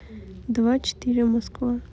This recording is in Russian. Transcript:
два четыре москва